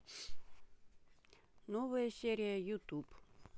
новая серия ютуб